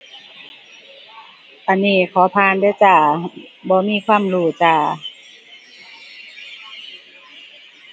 อันนี้ขอผ่านเด้อจ้า บ่มีความรู้จ้า